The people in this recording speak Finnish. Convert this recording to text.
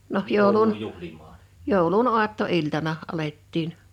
no joulun joulun aattoiltana alettiin